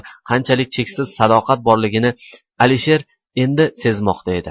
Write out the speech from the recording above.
qanchalik cheksiz sadoqat borligini alisher endi sezmoqda edi